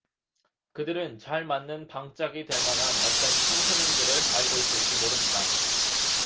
그들은 잘 맞는 방짝이 될 만한 어떤 청소년들을 알고 있을지 모릅니다